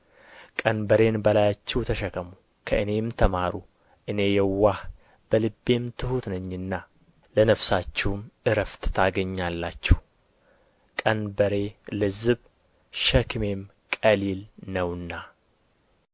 ቀንበሬን በላያችሁ ተሸከሙ ከእኔም ተማሩ እኔ የዋህ በልቤም ትሑት ነኝና ለነፍሳችሁም ዕረፍት ታገኛላችሁ ቀንበሬ ልዝብ ሸክሜም ቀሊል ነውና